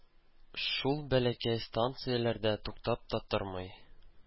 Шул бәләкәй станцияләрдә туктап та тормый.